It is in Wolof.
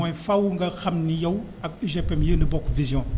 mooy faaw nga xam ni yow ak UGPM yéen a bokk vision